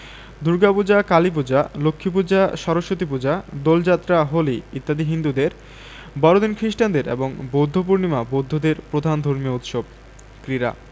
দুর্গাপূজা কালীপূজা লক্ষ্মীপূজা সরস্বতীপূজা দোলযাত্রা হোলি ইত্যাদি হিন্দুদের বড়দিন খ্রিস্টানদের এবং বৌদ্ধপূর্ণিমা বৌদ্ধদের প্রধান ধর্মীয় উৎসব ক্রীড়াঃ